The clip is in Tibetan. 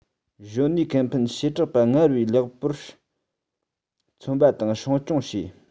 གཞོན ནུའི ཁེ ཕན བྱེ བྲག པ སྔར བས ལེགས པར མཚོན པ དང སྲུང སྐྱོང བྱས